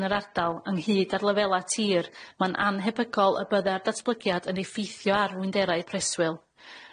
yn yr ardal ynghyd â'r lefela tir ma'n annhebygol y bydda'r datblygiad yn effeithio ar fwynderau preswyl.